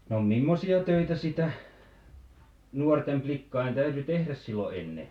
no millaisia töitä sitä nuorten likkojen täytyi tehdä silloin ennen